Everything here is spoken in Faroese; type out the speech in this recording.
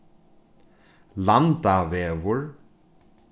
landavegur